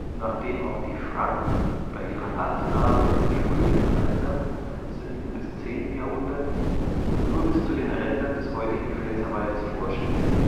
Nachdem auch die Franken bei ihrer Landnahme im Frühmittelalter (7. bis 10. Jahrhundert) nur bis zu den Rändern des heutigen Pfälzerwaldes vorstießen